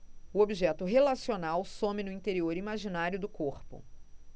o objeto relacional some no interior imaginário do corpo